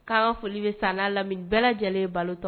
K'an ka foli bɛ sala lam bɛɛ lajɛlen balo ta